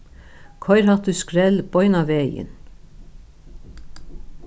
koyr hatta í skrell beinanvegin